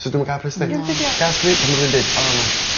So dim yn ca'l pres sti. Ie ond be' 'di o... Gas ga fi pan ma' rywun deud o ma'